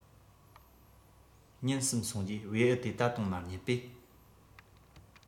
ཉིན གསུམ སོང རྗེས བེའུ ད དུང མ རྙེད པས